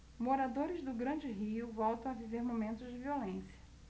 moradores do grande rio voltam a viver momentos de violência